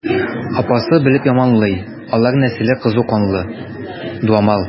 Апасы белеп яманлый: алар нәселе кызу канлы, дуамал.